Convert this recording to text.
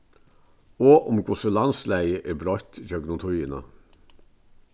og um hvussu landslagið er broytt gjøgnum tíðina